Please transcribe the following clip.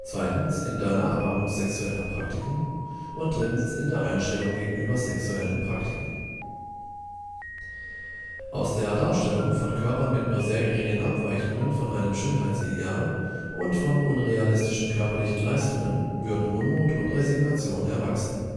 weiblichen in der Nachahmung sexueller Praktiken in der Einstellung gegenüber sexuellen Praktiken Aus der Darstellung von Körpern mit nur sehr geringen Abweichungen von einem Schönheitsideal und von unrealistischen körperlichen Leistungen würden Unmut und Resignation erwachsen